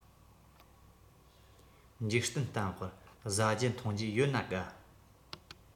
འཇིག རྟེན གཏམ དཔེར བཟའ རྒྱུ འཐུང རྒྱུ ཡོད ན དགའ